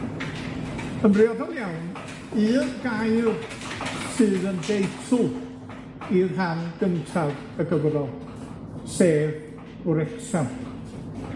Yn briodol iawn, un gair sydd yn deitl i'r rhan gyntaf y gyfrol, sef Wrecsam,